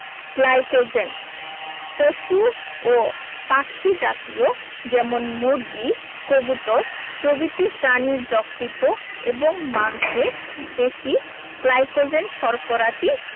glycogen পশু ও পাখি জাতীয় যেমন মুরগি কবুতর প্রভৃতি প্রাণীর যকৃৎ এবং মাংসে পেশি গ্লাইকোজেন শর্করাটি